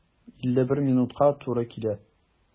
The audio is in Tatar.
51 минутка туры килә.